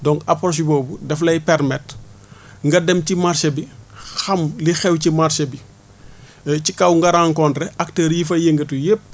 donc approche boobu daf lay permettre nga dem ci marché bi xam li xe ci marché bi ci kaw nga nga rencontré acteurs yi fay yëngatu yëpp